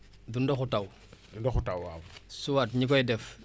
soit ñi koy def si faro yi la ñuy kii mooy déeg yi